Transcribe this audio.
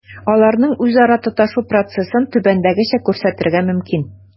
Аларның үзара тоташу процессын түбәндәгечә күрсәтергә мөмкин: